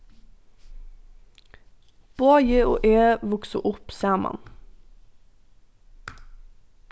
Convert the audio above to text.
bogi og eg vuksu upp saman